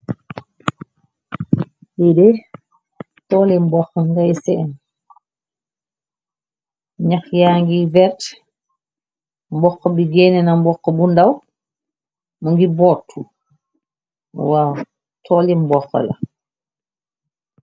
liidé toolim mbokx ngay seen nyax yaa ngi vert mbokx bi génné na mbokx bu ndaw mu ngi bottu wa tooli mbokx la